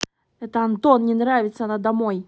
это антон не нравится она домой